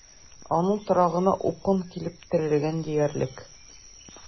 Аның торагына упкын килеп терәлгән диярлек.